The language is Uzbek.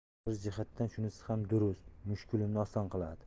bir jihatdan shunisi ham durust mushkulimni oson qiladi